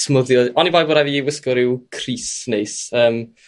smwddio oni bai bo' raid fi wisgo ryw crys neis yym